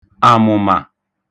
àmụ̀mà